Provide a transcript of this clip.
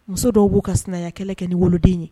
Muso dɔw b'u ka sɛnɛ kɛlɛ kɛ ni woloden ye